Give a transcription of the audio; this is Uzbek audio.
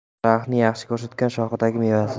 daraxtni yaxshi ko'rsatgan shoxidagi mevasi